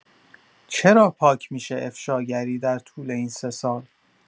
چرا پاک می‌شه افشاگری در طول این سه سال؟